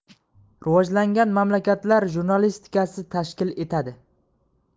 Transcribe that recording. rivojlangan mamlakatlar jurnalistikasi tashkil etadi